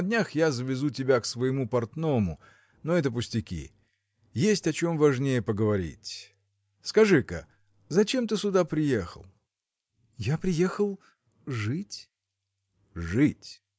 на днях я завезу тебя к своему портному но это пустяки. Есть о чем важнее поговорить. Скажи-ка, зачем ты сюда приехал? – Я приехал. жить. – Жить?